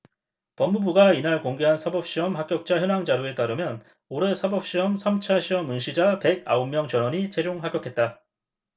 법무부가 이날 공개한 사법시험 합격자 현황 자료에 따르면 올해 사법시험 삼 차 시험 응시자 백 아홉 명 전원이 최종 합격했다